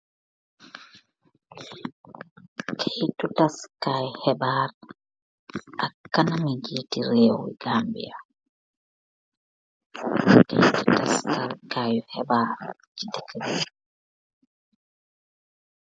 Keytu taskaay xebaar ak kanami jiiti réew Gambia keytu taskarkaayu xebaar ci dëkk bi.